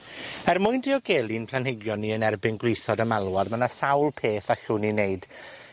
Er mwyn diogelu'n planhigion ni yn erbyn gwlithod a malwod, ma' 'na sawl peth allwn ni neud.